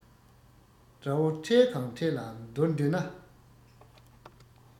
དགྲ བོ འཕྲལ གང འཕྲལ ལ འདུལ འདོད ན